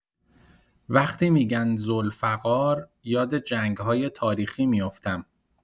وقتی می‌گن ذوالفقار، یاد جنگ‌های تاریخی میفتم.